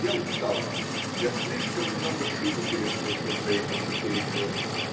Я устал, я слишком много шуму переслышал за эти четыре года.